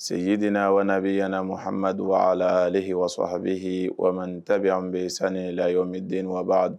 Seyiduina w bɛyana maha amadudu a la aleyi wasɔ habiyi wa tabi an bɛ sanu lay min den waba